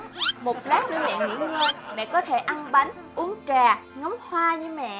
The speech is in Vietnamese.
một lát nữa mẹ nghỉ ngơi mẹ có thể ăn bánh uống trà ngắm hoa nha mẹ